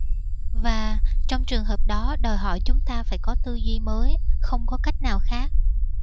và trong trường hợp đó đòi hỏi chúng ta phải có tư duy mới không có cách nào khác